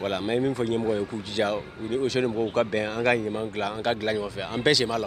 Min fɔ ɲɛmɔgɔ ye'u ka bɛn ka an ka ɲɔgɔn fɛ an bɛɛ se la